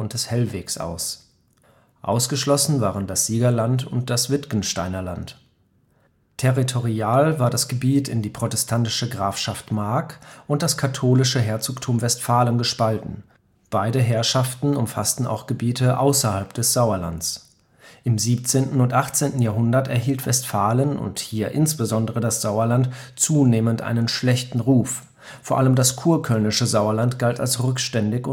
Hellwegs aus; ausgeschlossen waren das Sieger - und das Wittgensteiner Land. Territorial war das Gebiet in die protestantische Grafschaft Mark und das katholische Herzogtum Westfalen gespalten; beide Herrschaften umfassten auch Gebiete außerhalb des Sauerlands. Im 17. und 18. Jahrhundert erhielt Westfalen, und hier insbesondere das Sauerland, zunehmend einen schlechten Ruf. Vor allem das kurkölnische Sauerland galt als rückständig